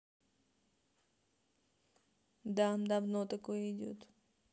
да давно такое идет